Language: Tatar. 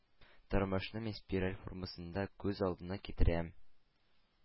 Тормышны мин спираль формасында күз алдына китерәм.